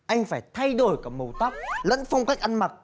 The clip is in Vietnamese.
anh phải thay đổi cả màu tóc lẫn phong cách ăn mặc